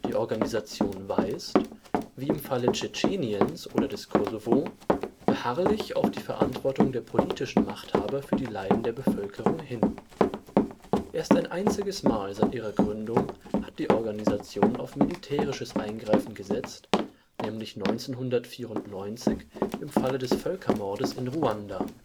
Organisation weist, wie im Falle Tschetscheniens oder des Kosovo, beharrlich auf die Verantwortung der politischen Machthaber für die Leiden der Bevölkerung hin. Erst ein einziges Mal seit ihrer Gründung hat die Organisation auf militärisches Eingreifen gesetzt, nämlich 1994 im Falle des Völkermordes in Ruanda